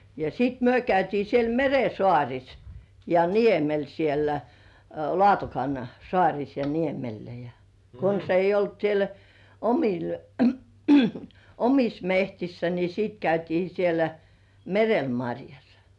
ja sitten me käytiin siellä meren saarissa ja niemellä siellä Laatokan saarissa ja niemellä ja konsa ei ollut siellä omilla omissa metsissä niin sitten käytiin siellä merellä marjassa